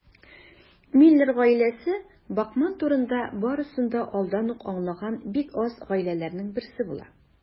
Миллер гаиләсе Бакман турында барысын да алдан ук аңлаган бик аз гаиләләрнең берсе була.